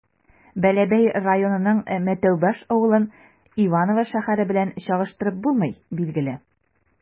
Бәләбәй районының Мәтәүбаш авылын Иваново шәһәре белән чагыштырып булмый, билгеле.